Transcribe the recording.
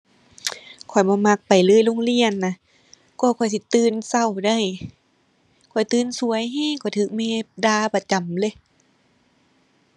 ข้อยบ่มักไปเลยโรงเรียนน่ะ กว่าข้อยสิตื่นเช้าได้ ข้อยตื่นเช้าเช้า ข้อยเช้าแม่ด่าประจำเลย